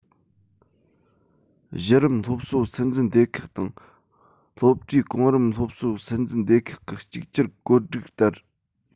གཞི རིམ སློབ གསོ སྲིད འཛིན སྡེ ཁག དང སློབ གྲྭས གོང རིམ སློབ གསོ སྲིད འཛིན སྡེ ཁག གི གཅིག གྱུར བཀོད སྒྲིག ལྟར